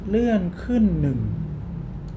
เลื่อนขึ้นหนึ่ง